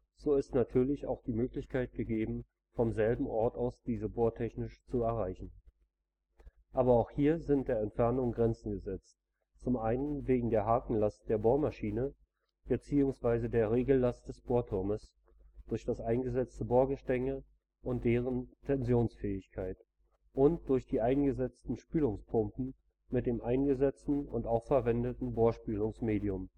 so ist natürlich auch die Möglichkeit gegeben, vom selben Ort aus diese bohrtechnisch zu erreichen. Aber auch hier sind der Entfernung Grenzen gesetzt, zum einen wegen der Hakenlast der Bohrmaschine bzw. der Regellast des Bohrturmes, durch das eingesetzte Bohrgestänge und deren Tensionsfähigkeit und durch die eingesetzten Spülungspumpen mit dem eingesetzten und auch verwendeten Bohrspülungsmedium